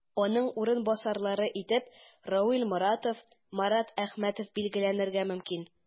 Аның урынбасарлары итеп Равил Моратов, Марат Әхмәтов билгеләнергә мөмкин.